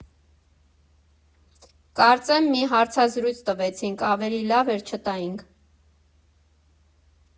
Կարծեմ մի հարցազրույց տվեցինք, ավելի լավ էր չտայինք։